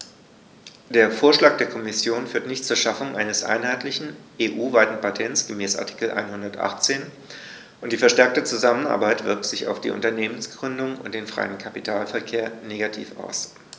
Der Vorschlag der Kommission führt nicht zur Schaffung eines einheitlichen, EU-weiten Patents gemäß Artikel 118, und die verstärkte Zusammenarbeit wirkt sich auf die Unternehmensgründung und den freien Kapitalverkehr negativ aus.